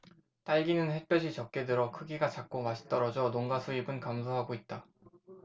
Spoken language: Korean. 딸기는 햇볕이 적게 들어 크기가 작고 맛이 떨어져 농가 수입은 감소하고 있다